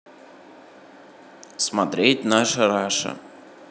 смотреть наша раша